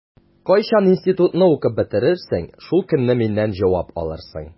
Кайчан институтны укып бетерерсең, шул көнне миннән җавап алырсың.